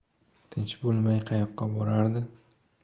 tinch bo'lmay qayoqqa borardi